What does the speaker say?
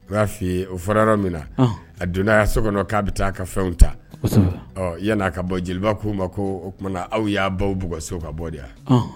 U'afi o fɔra yɔrɔ min na a donna so kɔnɔ k'a bɛ taa ka fɛnw ta yan ka bɔ jeliba k' ma ko o tumana aw y'a baw bugso ka bɔ de yan